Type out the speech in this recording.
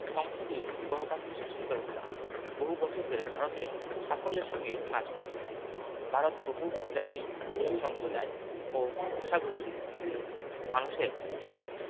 সংসদীয় গণতান্ত্রিক শাসন ব্যাবস্থা বহু বছর ধরে ভারতে সাফল্যের সঙ্গে কাজ করছে ভারত বহুজাতি সম্পদায় ও ভাষাগোষ্ঠীর মানুষের একটি দেশ